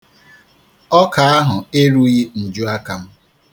Ọka ahụ erughị njuaka m.